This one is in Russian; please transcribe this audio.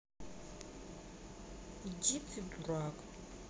иди ты дурак